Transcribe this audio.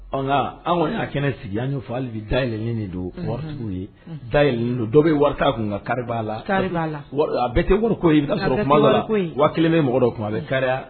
Ɔ anw' kɛnɛ sigi fɔ hali bɛ daylenini de don moritigiw ye day don dɔ bɛ wari' kun nka kari la kari la a bɛɛ tɛuru ko wa kelen bɛ mɔgɔ dɔ tuma bɛ kari